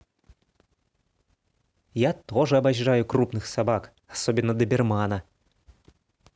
я тоже обожаю крупных собак особенно добермана